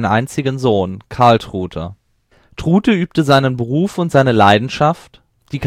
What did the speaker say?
einzigen Sohn, Carl Trute. Trute übte seinen Beruf und seine Leidenschaft – die Kanarienvogelzucht